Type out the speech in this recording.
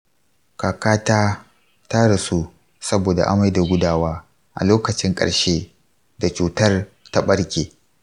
kakata ta rasu saboda amai da gudawa a lokacin ƙarshe da cutar ta ɓarke.